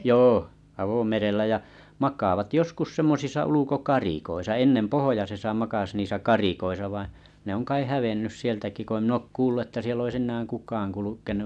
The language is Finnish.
joo avomerellä ja makaavat semmoisissa ulkokarikoissa ennen pohjoisessa makasi niissä karikoissa vain ne on kai hävinnyt sieltäkin kun en minä ole kuullut että siellä olisi kukaan kulkenut